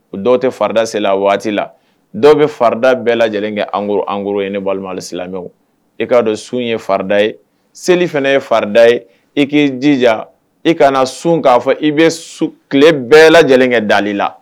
O dɔw tɛ farida seli a waati la, dɔw bɛ farida bɛɛ lajɛlen kɛ en gros en gros ye ne balima silamɛw, i k'a dɔn sun ye farida ye seli fana ye farida ye i k'i jija i kana sun k'a fɔ i bɛ tile bɛɛ lajɛlen kɛ dali la